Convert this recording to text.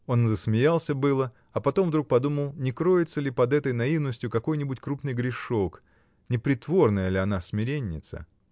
Он засмеялся было, а потом вдруг подумал, не кроется ли под этой наивностью какой-нибудь крупный грешок, не притворная ли она смиренница?